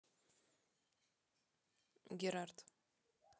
gerard